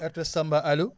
RTS Tamba allo